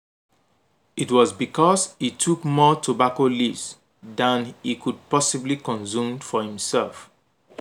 It was because he took more tobacco leaves than he could possibly consume for himself.